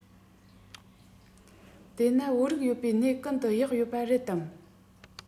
དེ ན བོད རིགས ཡོད སའི གནས ཀུན ཏུ གཡག ཡོད པ རེད དམ